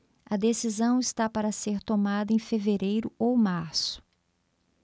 a decisão está para ser tomada em fevereiro ou março